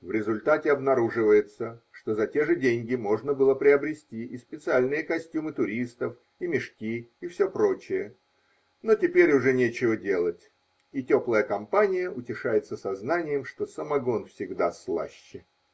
В результате обнаруживается, что за те же деньги можно было приобрести и специальные костюмы туристов, и мешки, и все прочее: но теперь уже нечего делать, и теплая компания утешается сознанием, что самогон всегда слаще.